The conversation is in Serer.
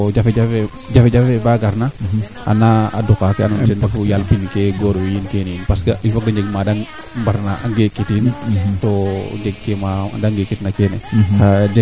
bon saaxo laago koy ku waag uma o ley taaga xaƴa ku waag uma xendu ta ten refu yee jokalante a ndeta nga bo rooga dogal de mbaro njaliid fa in